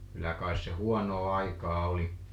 kyllä kai se huonoa aikaa oli